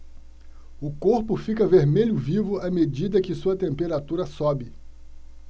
o corpo fica vermelho vivo à medida que sua temperatura sobe